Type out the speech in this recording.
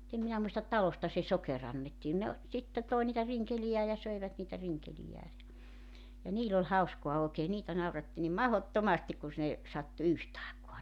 mutta en minä muista talosta se sokeri annettiin ne - sitten toi niitä rinkeleitään ja söivät niitä rinkeleitään ja ja niillä oli hauskaa oikein niitä nauratti niin mahdottomasti kun - ne sattui yhtä aikaa